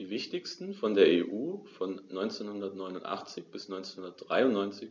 Die wichtigsten von der EU von 1989 bis 1993